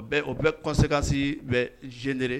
O bɛ kɔnsekansi bɛ jene